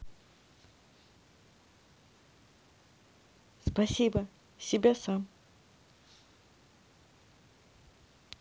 спасибо себя сам